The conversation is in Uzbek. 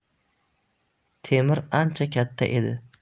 temir ancha katta edi